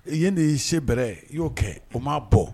Yen de ye i se bɛrɛ ye i y'o kɛ o m'a bɔ